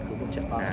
trận nào